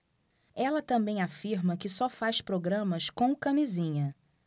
ela também afirma que só faz programas com camisinha